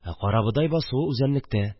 Ә карабодай басуы үзәнлектә